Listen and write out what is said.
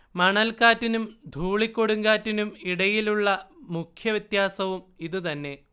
മണൽക്കാറ്റിനും ധൂളിക്കൊടുങ്കാറ്റിനും ഇടയിലുള്ള മുഖ്യവ്യത്യാസവും ഇതുതന്നെ